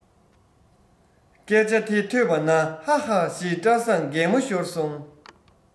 སྐད དེ ཐོས པ ན ཧ ཧ ཞེས བཀྲ བཟང གད མོ ཤོར སོང